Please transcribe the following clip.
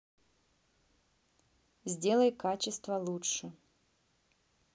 сделай качество лучше